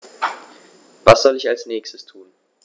Was soll ich als Nächstes tun?